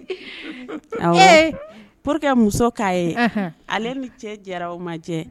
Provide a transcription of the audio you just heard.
O que muso k'a ye ale ni cɛ jɛra o ma jɛ